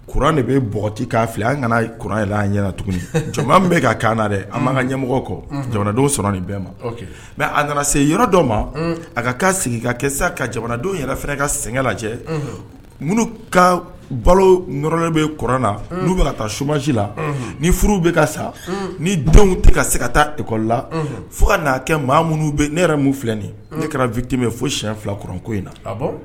Kuran de bɛti k'a fili an kana tuguni min bɛ kaana an' ka ɲɛmɔgɔ kɔ jamanadenw sɔrɔ nin bɛɛ ma mɛ a nana se yɔrɔ dɔ ma a ka'a sigi ka kɛ sa ka jamanadenw yɛrɛ fana ka sɛgɛn lajɛ ka balo n bɛɔrɔn na bɛ ka taa somasi la ni furuw bɛ ka sa ni denw tɛ ka se ka taa ekɔ la fo ka' kɛ maa minnu ne yɛrɛ minnu filɛ nin ne kɛra vtimɛ fo siyɛn filauranko in na